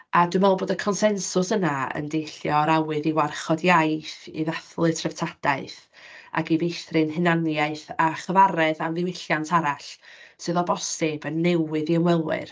A dwi'n meddwl bod y consensws yna yn deillio o'r awydd i warchod iaith, i ddathlu treftadaeth, ac i feithrin hunaniaeth a chyfaredd am ddiwylliant arall, sydd o bosib yn newydd i ymwelwyr.